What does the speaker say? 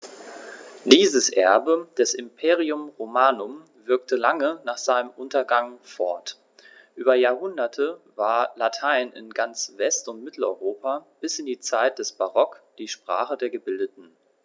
Dieses Erbe des Imperium Romanum wirkte lange nach seinem Untergang fort: Über Jahrhunderte war Latein in ganz West- und Mitteleuropa bis in die Zeit des Barock die Sprache der Gebildeten.